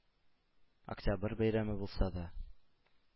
Октябрь бәйрәме булса да